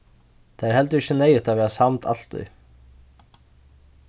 tað er heldur ikki neyðugt at vera samd altíð